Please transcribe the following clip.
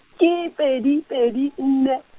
ke pedi pedi nne.